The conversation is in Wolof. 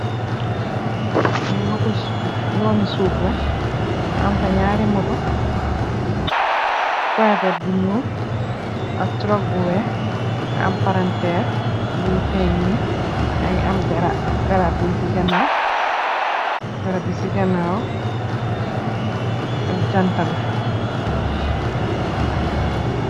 Lii yooni suuf la, nga am fii ñaari motto,.Paraaywet bu ñuul ak turok bu weex, nga am palanteer, yaangi am garab si ganaaw, ak Janta bi.